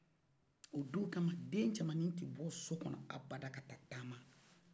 o do kama den cɛmani te bɔ sɔgɔnɔ a ba da ka ta tamana